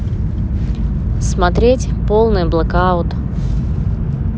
смотреть полный блэкаут